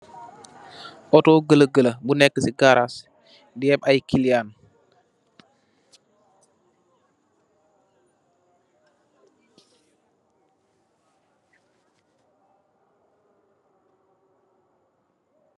Auto gelegele bu nekka si garas di ép ay kiliyan .